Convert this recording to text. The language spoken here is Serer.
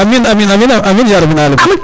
amin amin amin ya rabil alamin